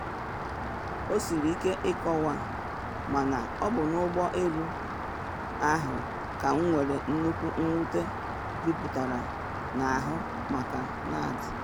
O siri ike ịkọwa, mana ọ bụ n’ụgbọ elu ahụ ka m nwere nnukwu mwute juputara n’ahụ maka Nad.